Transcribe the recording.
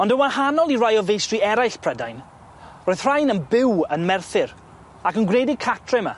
Ond yn wahanol i rai o feistri eraill Prydain roedd rhain yn byw yn Merthyr ac yn gwneud eu cartre 'my.